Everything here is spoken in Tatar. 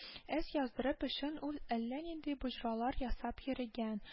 Әз яздырып өчен ул әллә нинди боҗралар ясап йөрегән